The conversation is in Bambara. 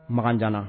Makan janana